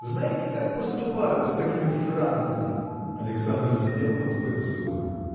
Знаете, как поступают с такими франтами?. Александр сидел потупя взоры.